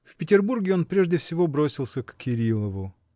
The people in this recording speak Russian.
В Петербурге он прежде всего бросился к Кирилову.